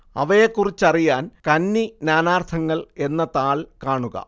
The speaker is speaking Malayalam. അവയെക്കുറിച്ചറിയാന് കന്നി നാനാര്‍ത്ഥങ്ങള്‍ എന്ന താള്‍ കാണുക